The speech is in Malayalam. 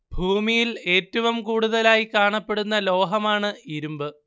ഭൂമിയിൽ ഏറ്റവും കൂടുതലായി കാണപ്പെടുന്ന ലോഹമാണ് ഇരുമ്പ്